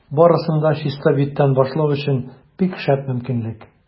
Барысын да чиста биттән башлау өчен бик шәп мөмкинлек.